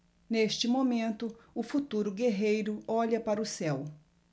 neste momento o futuro guerreiro olha para o céu